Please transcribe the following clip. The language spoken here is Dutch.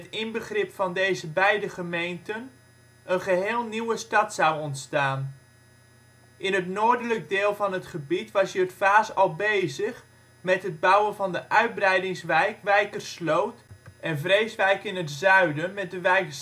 inbegrip van deze beide gemeenten een geheel nieuwe stad zou ontstaan. In het noordelijk deel van het gebied was Jutphaas al bezig met het bouwen van de uitbreidingswijk " Wijkersloot " en Vreeswijk in het zuiden met de wijk